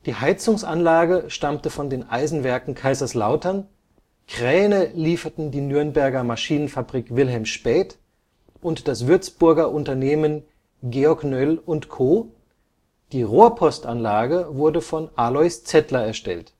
Heizungsanlage stammte von den Eisenwerken Kaiserslautern, Kräne lieferten die Nürnberger Maschinenfabrik Wilhelm Spaeth und das Würzburger Unternehmen Georg Noell & Co, die Rohrpostanlage wurde von Alois Zettler erstellt